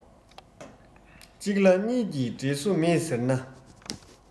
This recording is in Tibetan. གཅིག ལ གཉིས ཀྱི འབྲེལ སོ མེད ཟེར ན